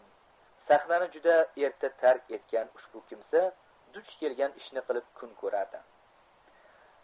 sahnani juda erta tark etgan ushbu kimsa duch kelgan ishni qilib kun ko'rardi